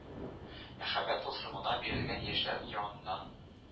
Мәхәббәт тылсымына бирелгән яшьләр яныннан